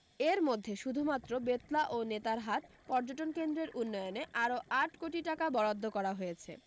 এর মধ্যে শুধুমাত্র বেতলা ও নেতারহাট পর্যটন কেন্দ্রের উন্নয়নে আরও আট কোটি টাকা বরাদ্দ করা হয়েছে